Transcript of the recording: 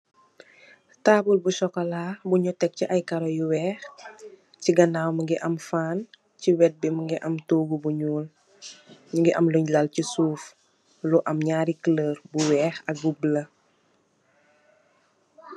Taabul bu sokola buñ tek ci ay karo yu weex, ci gannaaw mungi am fan ci wet bi mungi am togu bu ñuul. Mungi am luñ lal ci suuf mungi am nyarri kulor yu week ak yu bulo.